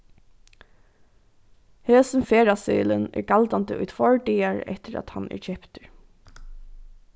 hesin ferðaseðilin er galdandi í tveir dagar eftir at hann er keyptur